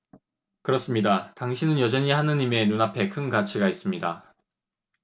그렇습니다 당신은 여전히 하느님의 눈앞에 큰 가치가 있습니다